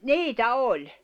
niitä oli